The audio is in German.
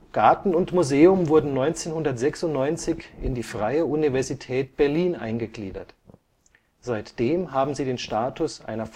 Garten und Museum wurden 1996 in die Freie Universität Berlin eingegliedert. Seitdem haben sie den Status einer